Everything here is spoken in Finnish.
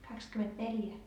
Kaksikymmentäneljä